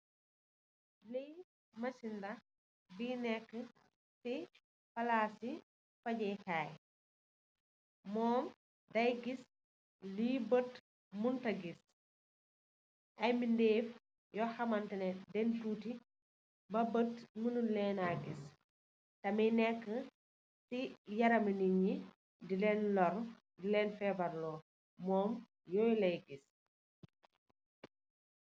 Lii masin la, masin bi neek si palaas i fajee kaay. Mom, dai gis lu bët muñ të gis. Gis ay mbindeef yu bët muñ të gis. Të muy neek si, yaram i nit ñyi dileen loor, dileen féébar loo.